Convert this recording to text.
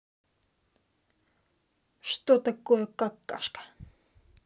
что такое какашка